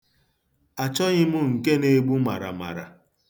Achọghị m nke na-egbu maramara.